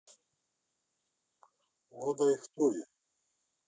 угадай кто я